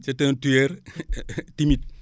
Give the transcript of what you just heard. c' est un tueur timide